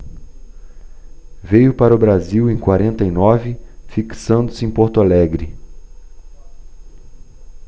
veio para o brasil em quarenta e nove fixando-se em porto alegre